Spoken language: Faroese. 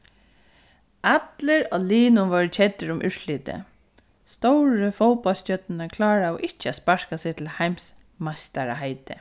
allir á liðnum vóru keddir um úrslitið stóru fótbóltsstjørnurnar kláraðu ikki at sparka seg til heimsmeistaraheitið